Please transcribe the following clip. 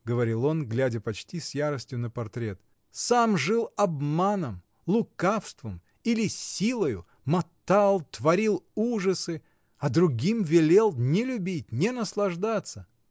— говорил он, глядя почти с яростью на портрет, — сам жил обманом, лукавством или силою, мотал, творил ужасы, а другим велел не любить, не наслаждаться!